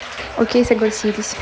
окей согласились